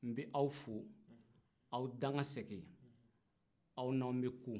n bɛ aw fo aw dankasegin aw n'anw bɛ ku